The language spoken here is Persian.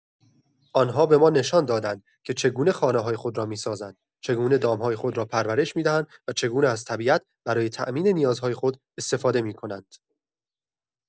آنها به ما نشان دادند که چگونه خانه‌های خود را می‌سازند، چگونه دام‌های خود را پرورش می‌دهند و چگونه از طبیعت برای تامین نیازهای خود استفاده می‌کنند.